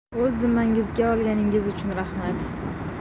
o'z zimmangizga olganingiz uchun rahmat